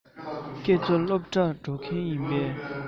ཁྱེད ཚོ སློབ གྲྭར འགྲོ མཁན ཡིན པས